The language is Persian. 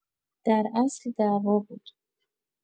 در اصل دعوا بود